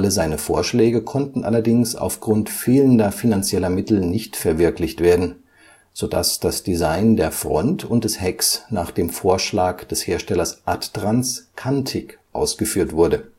seine Vorschläge konnten allerdings aufgrund fehlender finanzieller Mittel nicht verwirklicht werden, sodass das Design der Front und des Hecks nach dem Vorschlag des Herstellers Adtranz kantig ausgeführt wurde